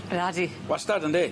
Nadi. Wastad yndi?